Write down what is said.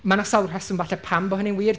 Ma' 'na sawl rheswm fella pam bod hynny'n wir.